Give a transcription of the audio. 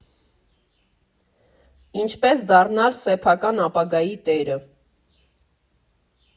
Ինչպես դառնալ սեփական ապագայի տերը։